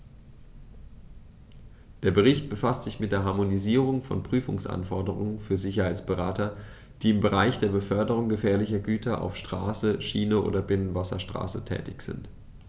Der Bericht befasst sich mit der Harmonisierung von Prüfungsanforderungen für Sicherheitsberater, die im Bereich der Beförderung gefährlicher Güter auf Straße, Schiene oder Binnenwasserstraße tätig sind.